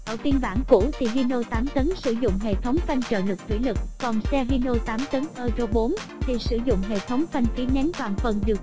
ở phiên bản cũ thì hino tấn sử dụng hệ thống phanh trợ lực thủy lực còn xe hino tấn euro thì sử dụng hệ thống phanh khí nén toàn phần